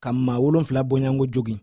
ka maa wolonfila bɔɲɔgɔnko jogin